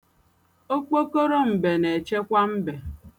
Okpokoro mbe na-echekwa mbe.